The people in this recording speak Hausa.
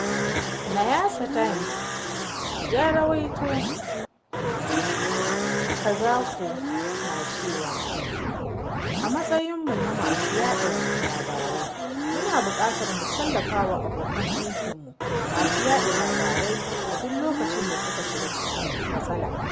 Nyasatimes ya rawaito Kazako na cewa, ''A matsayin mu na masu yaɗa labarai, muna buƙatar mu tallafa wa abokan aikinmu masu yaɗa labarai a duk lokacin da suka shiga cikin matsala.